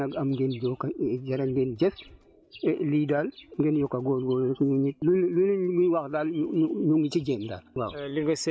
et gon nag am ngeen * jërë ngeen jëf et lii daal ngeen yokk a góorgóorlu rek ñun it lu ñu lu ñu mën a wax daal ñu di ci jéem dara waaw